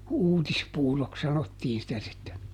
uutispuuroksi sanottiin sitä sitten